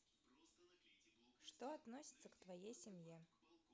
что относится к твоей семье